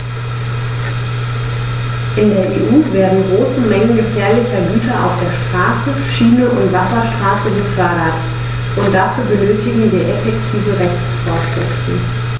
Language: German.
In der EU werden große Mengen gefährlicher Güter auf der Straße, Schiene und Wasserstraße befördert, und dafür benötigen wir effektive Rechtsvorschriften.